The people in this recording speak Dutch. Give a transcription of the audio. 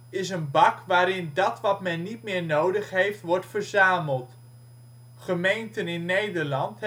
is een bak waarin dat wat men niet meer nodig heeft wordt verzameld. Gemeenten in Nederland